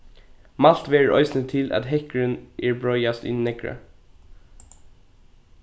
mælt verður eisini til at hekkurin er breiðast í neðra